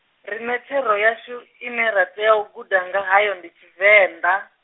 riṋe thero yashu , ine ra tea u guda nga hayo ndi Tshivenḓa.